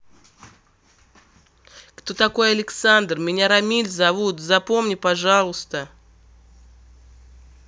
кто такой александр меня рамиль зовут запомни пожалуйста